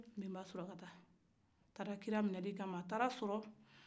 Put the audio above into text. a taara kira minɛli kama a taara sɔrɔ